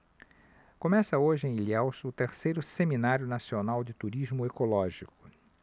começa hoje em ilhéus o terceiro seminário nacional de turismo ecológico